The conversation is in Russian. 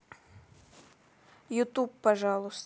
ютуб пожалуйста